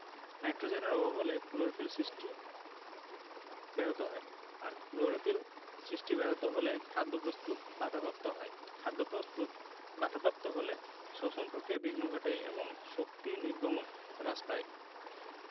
নাইট্রোজেনের অভাব হলে ক্লোরোফিল সৃষ্টি ব্যাহত হয় আর ক্লোরোফিল সৃষ্টি ব্যাহত হলে খাদ্য প্রস্তুত বাধাপ্রাপ্ত হয় খাদ্যপ্রস্তুত বাধাপ্রাপ্ত হলে শ্বসন প্রক্রিয়ায় বিঘ্ন ঘটে এবং শক্তি নির্গমন হ্রাস পায়